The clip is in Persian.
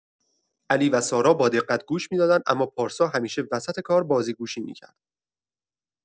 علی و سارا با دقت گوش می‌دادند، اما پارسا همیشه وسط کار بازیگوشی می‌کرد.